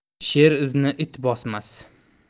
sher izini it bosmas